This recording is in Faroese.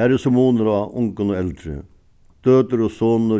har er so munur á ungum og eldri døtur og sonur